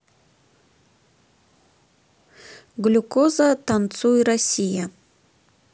глюкоза танцуй россия